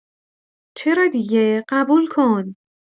چرا دیگه، قبول کن!